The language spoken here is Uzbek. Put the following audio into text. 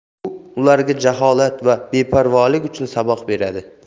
u ularga jaholat va beparvolik uchun saboq beradi